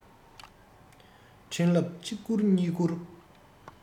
འཕྲིན ལབ གཅིག བསྐུར གཉིས བསྐུར